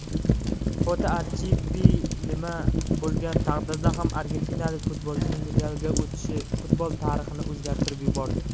footarchivenima bo'lgan taqdirda ham argentinalik futbolchining real ga o'tishi futbol tarixini o'zgartirib yubordi